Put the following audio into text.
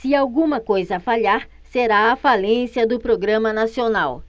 se alguma coisa falhar será a falência do programa nacional